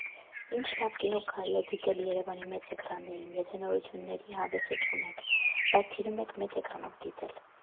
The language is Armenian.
Ի՞նչ լավ կինո կարելի է դիտել Երևանի մեծ էկրաններին, եթե նորույթների հավեսը չունեք, բայց սիրում եք մեծ էկրանով դիտել։